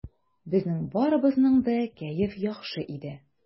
Безнең барыбызның да кәеф яхшы иде.